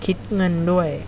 คิดเงินด้วย